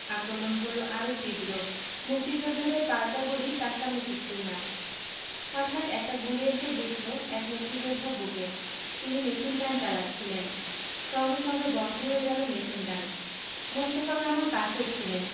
আক্রমণ হলো আরও তীব্র মুক্তিযোদ্ধাদের পাল্টা গুলি তার সামনে কিছুই না হতাৎ একটা গুলি এসে বিঁধল এক মুক্তিযোদ্ধার বুকে তিনি মেশিনগান চালাচ্ছিলেন সঙ্গে সঙ্গে বন্ধ হয়ে গেল মেশিনগান মোস্তফা কামাল পাশেই ছিলেন